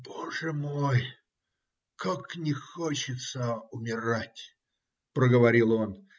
- Боже мой, как не хочется умирать! - проговорил он.